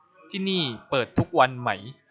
ที่นี่เปิดทุกวันไหม